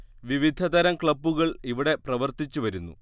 വിവധതരം ക്ലബ്ബുകൾ ഇവിടെ പ്രവർത്തിച്ച് വരുന്നു